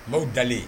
Maaw dalenlen